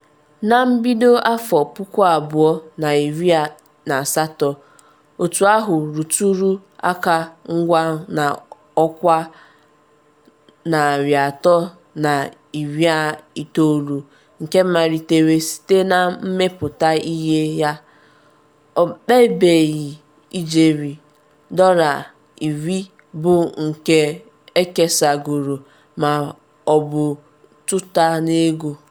Na mbido 2018, otu ahụ rụtụrụ aka nkwa na ọkwa 390 nke malitere site na mmepụta ihe ya, opekempe ijeri $10 bụ nke ekesagoro ma ọ bụ tụta n’ego.